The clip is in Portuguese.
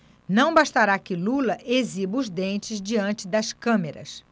não bastará que lula exiba os dentes diante das câmeras